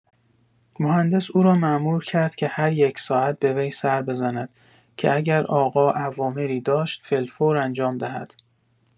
مهندس او را مامور کرد که هر یک ساعت به وی سر بزند که اگر آقا اوامری داشت فی‌الفور انجام دهد.